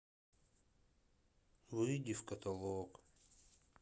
выйди в каталог